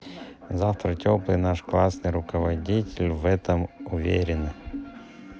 завтра теплой наш классный руководитель в этом уверены